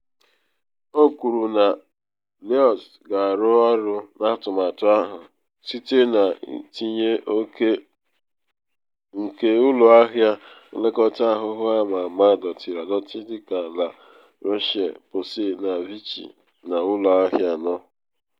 O kwuru na Lloyds ga-arụ ọrụ n’atụmatụ ahụ, site na itinye oke nke ụlọ ahịa nlekọta anụahụ ama ama dọtịrị adọtị dị ka La Roche-Posay na Vichy n’ụlọ ahịa anọ.